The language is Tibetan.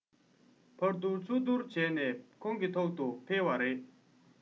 ཕར སྡུར ཚུར སྡུར བྱས ནས ཁོང གི ཐོག ཏུ འཁེལ བ རེད